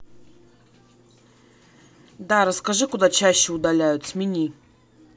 да расскажи куда чаще удаляют смени